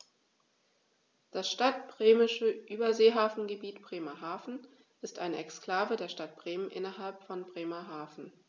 Das Stadtbremische Überseehafengebiet Bremerhaven ist eine Exklave der Stadt Bremen innerhalb von Bremerhaven.